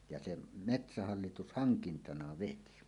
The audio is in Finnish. ja sen metsähallitus hankintana veti